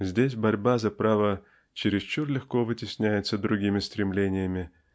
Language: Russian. Здесь борьба за право чересчур легко вытесняется другими стремлениями